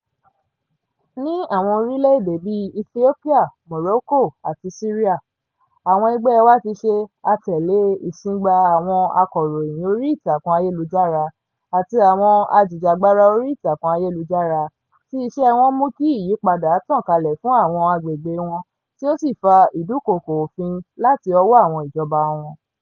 Ní àwọn orílẹ̀ èdè bíi Ethiopia, Morocco àti Syria àwọn ẹgbẹ́ wa ti ṣe atẹ̀lé ìsingbà àwọn akọ̀ròyìn orí ìtàkùn ayélujára àti àwọn ajìjàgbara orí ìtàkùn ayélujára tí iṣẹ́ wọn mú kí ìyípadà tàn kalẹ̀ fún àwọn àgbègbè wọn tí ó sì fa ìdúkokò òfin láti ọwọ́ àwọn ìjọba wọn.